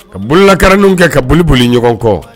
Ka bolilakainw kɛ ka boli boli ɲɔgɔn kɔ